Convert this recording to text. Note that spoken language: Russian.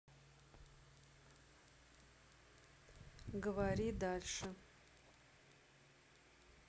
говори дальше